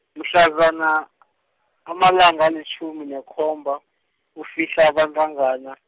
mhlazana , amalanga alitjhumi nekhomba, kuSihlabantangana.